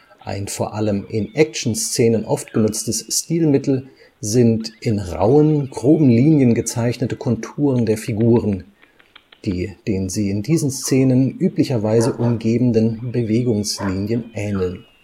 Ein vor allem in Action-Szenen oft genutztes Stilmittel sind in rauen, groben Linien gezeichnete Konturen der Figuren, die den sie in diesen Szenen üblicherweise umgebenden Bewegungslinien ähneln